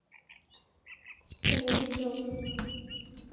позови джой